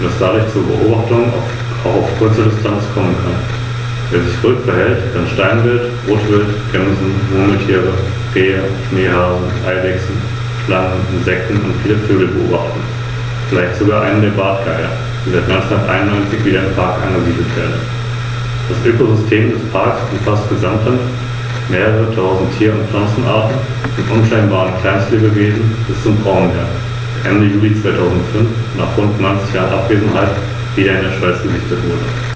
des Imperiums, die als halbautonome Bürgergemeinden organisiert waren und insbesondere für die Steuererhebung zuständig waren.